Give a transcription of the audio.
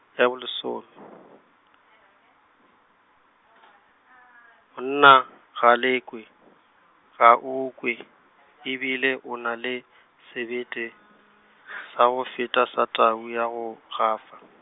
ya bo lesome , monna Galekwe, ga o kwe , e bile o na le, sebete, sa go feta sa tau ya go, gafa.